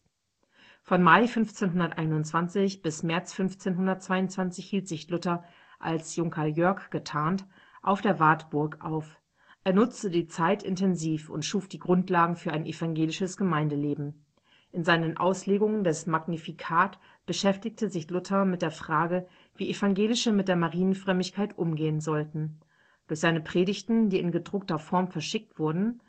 Von Mai 1521 bis März 1522 hielt sich Luther, als „ Junker Jörg “getarnt, auf der Wartburg auf. Er nutzte die Zeit intensiv und schuf die Grundlagen für ein evangelisches Gemeindeleben. In seinen Auslegungen des Magnificat beschäftigte sich Luther mit der Frage, wie Evangelische mit der Marienfrömmigkeit umgehen sollten. Durch seine Predigten, die in gedruckter Form verschickt wurden